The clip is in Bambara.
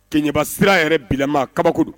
Keɲɛba sira yɛrɛ bilama kabako don